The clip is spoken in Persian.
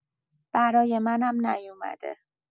برای منم نیومده